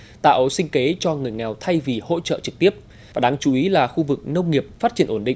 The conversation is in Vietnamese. tạo sinh kế cho người nghèo thay vì hỗ trợ trực tiếp đáng chú ý là khu vực nông nghiệp phát triển ổn định